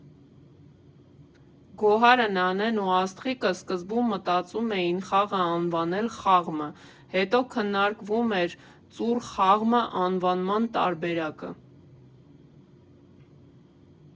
Գոհարը, Նանեն ու Աստղիկը սկզբում մտածում էին խաղը անվանել «Խաղմը», հետո քննարկվում էր «Ծուռ խաղմը» անվանման տարբերակը։